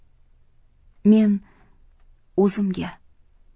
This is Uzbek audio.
men o'zimga